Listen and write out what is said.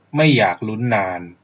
ไม่อยากลุ้นนาน